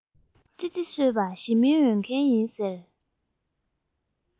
ཙི ཙི གསོད པ ཞི མིའི འོས འགན ཡིན ཟེར